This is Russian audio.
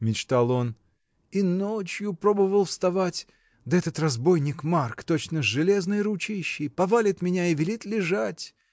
— мечтал он, — и ночью пробовал вставать, да этот разбойник Марк, точно железной ручищей, повалит меня и велит лежать.